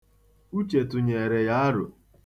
Uche tụnyeere ya aro.